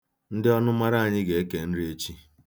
Ndị ọnụmara anyị ga-eke nri echi.